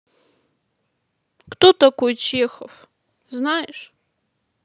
кто такой чехов знаешь